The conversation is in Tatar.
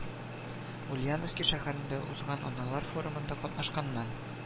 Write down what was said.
Ульяновский шәһәрендә узган аналар форумында катнашканнан